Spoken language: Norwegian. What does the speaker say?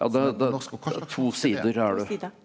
ja det det det er to sider er det.